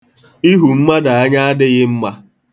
Ihu mmadụ anya adịghị mma.